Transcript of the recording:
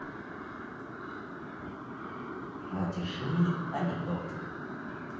матершинный анекдот